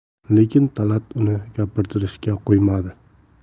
lekin talat uni gapirtirishga qo'ymadi